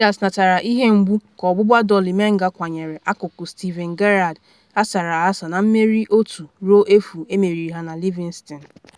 Rangers natara ihe mgbu ka ọgbụgba Dolly Menga kwanyere akụkụ Steven Gerrard ghasara aghasa na mmeri 1-0 emeriri ha na Livingston.